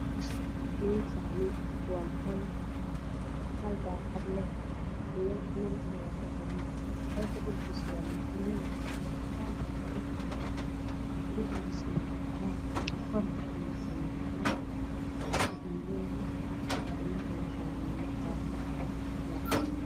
Waa qol hal daaqad leh iyo nal kuxiran, qolka dhulkiisa waa mutuleel cadaan ah darbiga waa cagaar, darbiga kore waa cadaan. Fadhigu waa qaxwi.